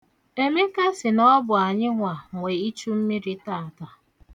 Emeka sị na ọ bụ anyịnwa nwe ịchụ mmiri taata.